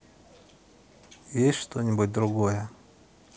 есть что нибудь другое